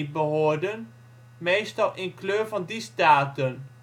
behoorden (meestal in kleur van die staten